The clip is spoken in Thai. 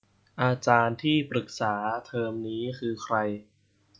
อาจารย์ที่ปรึกษาเทอมนี้คือใคร